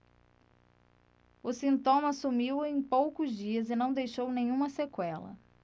o sintoma sumiu em poucos dias e não deixou nenhuma sequela